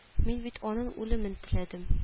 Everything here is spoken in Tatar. Мин бит аның үлемен теләдем